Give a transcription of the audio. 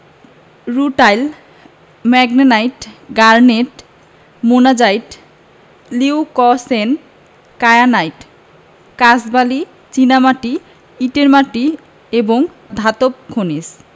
rutile magnetite garnet monazite leucoxene kyanite কাঁচবালি চীনামাটি ইটের মাটি এবং ধাতব খনিজ